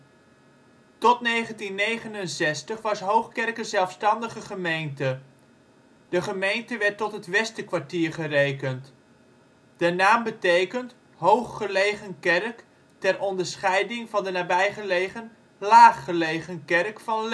Tot 1969 was Hoogkerk een zelfstandige gemeente. De gemeente werd tot het Westerkwartier gerekend. De naam betekent hoog gelegen kerk ter onderscheid van de nabijgelegen laag gelegen kerk van